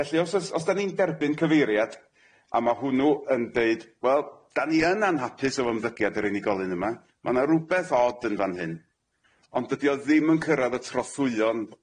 Felly os os os dan ni'n derbyn cyfeiriad a ma' hwnnw yn deud wel dan ni yn anhapus of ymddygiad yr unigolyn yma ma' na rwbeth od yn fan hyn ond dydi o ddim yn cyrradd y trothwyon.